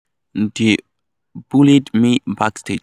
"They bullied me backstage.